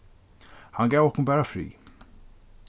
hann gav okkum bara frið